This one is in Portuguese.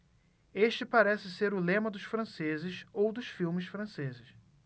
este parece ser o lema dos franceses ou dos filmes franceses